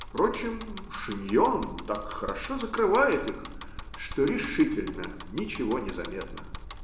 Впрочем, шиньон так хорошо закрывает их, что решительно ничего не заметно.